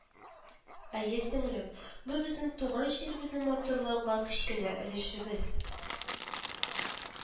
Әйе, сеңлем, бу безнең туган җиребезне матурлауга кечкенә өлешебез